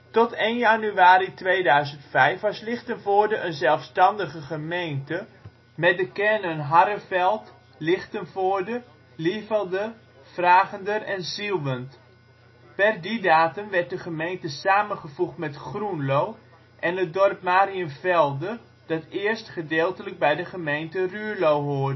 Tot 1 januari 2005 was Lichtenvoorde een zelfstandige gemeente, met de kernen Harreveld, Lichtenvoorde, Lievelde, Vragender en Zieuwent. Per die datum werd de gemeente samengevoegd met Groenlo en het dorp Mariënvelde dat eerst (gedeeltelijk) bij de gemeente Ruurlo